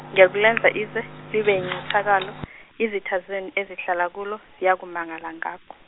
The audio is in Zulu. ngiyakulenza izwe libe yincithakalo, izitha zenu ezihlala kulo ziyakumangala ngakho.